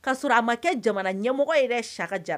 K kaasɔrɔ a ma kɛ jamana ɲɛmɔgɔ yɛrɛ saka jara